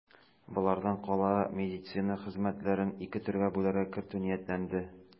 Болардан кала медицина хезмәтләрен ике төргә бүләргә кертү ниятләнде.